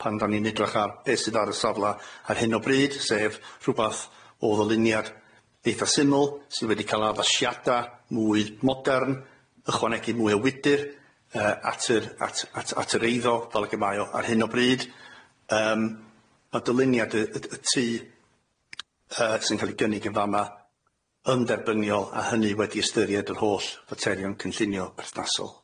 pan 'dan ni'n edrych ar be sydd ar y safla ar hyn o bryd sef rwbath o ddyluniad eitha' syml sy' wedi ca'l addasiada' mwy modern, ychwanegu mwy o wydyr yy at yr at at at yr eiddo fel ag y mae o ar hyn o bryd yym ma' dyluniad y y y tŷ yy sy'n ca'l i gynnig yn fa'ma yn dderbyniol a hynny wedi ystyried yr holl faterion cynllunio perthnasol.